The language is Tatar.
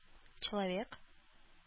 Человек